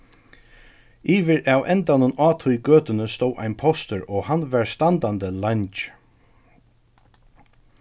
yvir av endanum á tí gøtuni stóð ein postur og hann varð standandi leingi